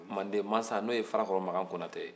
manden masa n'o ye farkɔrɔ makan konate ye